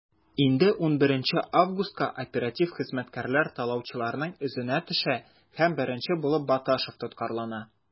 Инде 11 августка оператив хезмәткәрләр талаучыларның эзенә төшә һәм беренче булып Баташев тоткарлана.